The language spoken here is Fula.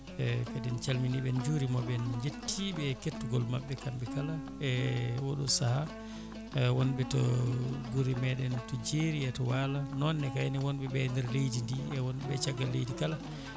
e kadi en calminiɓe en juurimaɓe en jettiɓe e kettogol mabɓe kamɓe kala e oɗo saaha e wonɓe to guure meɗen to jeeri e to waalo nonne kayne wonɓeɓe e nder leydi ndi e wonɓe caggal leydi kala